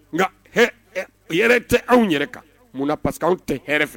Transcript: Nka hɛrɛ tɛ anw yɛrɛ kan munna , parc que anw tɛ hɛrɛ fɛ.